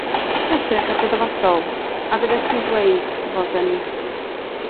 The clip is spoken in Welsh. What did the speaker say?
wrth edrych ar dy dyfodol a fyddet ti'n dweud dy fod en